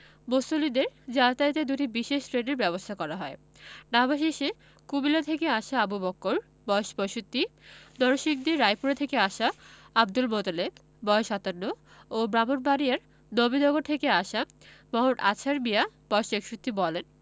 মুসল্লিদের যাতায়াতে দুটি বিশেষ ট্রেনের ব্যবস্থা করা হয় নামাজ শেষে কুমিল্লা থেকে আসা আবু বক্কর বয়স ৬৫ নরসিংদী রায়পুরা থেকে আসা আবদুল মোতালেব বয়স ৫৮ ও ব্রাহ্মণবাড়িয়ার নবীনগর থেকে আসা মো. আজহার মিয়া বয়স ৬১ বলেন